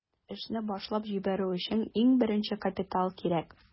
Эшне башлап җибәрү өчен иң беренче капитал кирәк.